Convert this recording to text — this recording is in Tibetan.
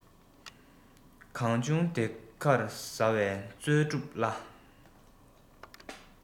གང བྱུང དེ གར ཟ བས རྩོལ སྒྲུབ སླ